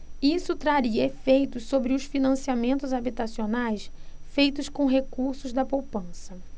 isso traria efeitos sobre os financiamentos habitacionais feitos com recursos da poupança